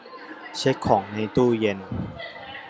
เช็คของในตู้เย็น